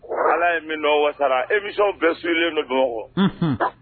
Ala ye min dɔn emiw bɛɛ feerelen nɔ dɔn o